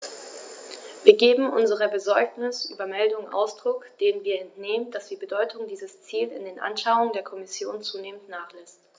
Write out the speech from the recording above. Wir geben unserer Besorgnis über Meldungen Ausdruck, denen wir entnehmen, dass die Bedeutung dieses Ziels in den Anschauungen der Kommission zunehmend nachlässt.